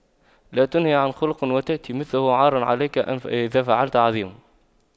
لا تنه عن خلق وتأتي مثله عار عليك إذا فعلت عظيم